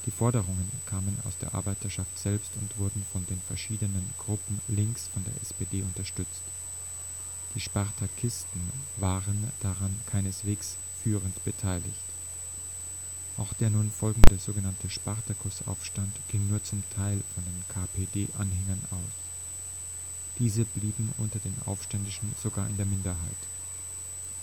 Forderungen kamen aus der Arbeiterschaft selbst und wurden von den verschiedenen Gruppen links von der SPD unterstützt. Die Spartakisten waren daran keineswegs führend beteiligt. Auch der nun folgende so genannte Spartakusaufstand ging nur zum Teil von den KPD-Anhängern aus. Diese blieben unter den Aufständischen sogar in der Minderheit. Die